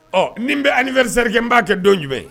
Ɔ nin bɛ anniversaire kɛ n b'a kɛ don jumɛn